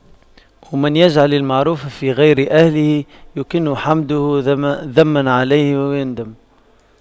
ومن يجعل المعروف في غير أهله يكن حمده ذما عليه ويندم